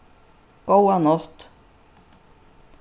góða nátt